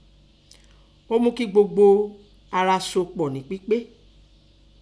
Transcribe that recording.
Ọ́ mu ki gbogbo ara sopọ̀ nẹ́ pipe.